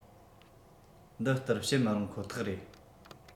འདི སྟར བཤད མི རུང ཁོ ཐག ཡིན